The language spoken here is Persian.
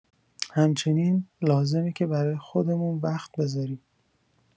همچنین، لازمه که برای خودمون وقت بذاریم.